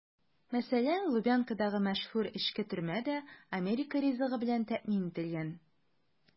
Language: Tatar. Мәсәлән, Лубянкадагы мәшһүр эчке төрмә дә америка ризыгы белән тәэмин ителгән.